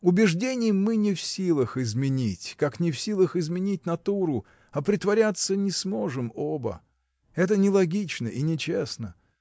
Убеждений мы не в силах изменить, как не в силах изменить натуру, а притворяться не сможем оба. Это не логично и не честно.